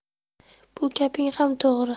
bu gaping ham to'g'ri